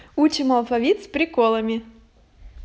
учим алфавит с приколами